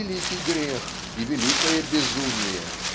великий грех и великое безумие